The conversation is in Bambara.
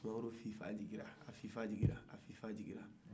sumaworo fifala ka jigi a fifala ka jigi